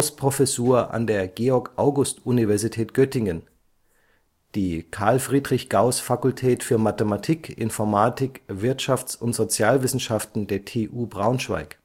Gauß-Professur an der Georg-August-Universität Göttingen die Carl-Friedrich-Gauß-Fakultät für Mathematik, Informatik, Wirtschafts - und Sozialwissenschaften der TU Braunschweig